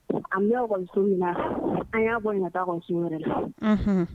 A kun bɛ école so min na an y'a bɔ ye ka taa école so wɛrɛ la unhun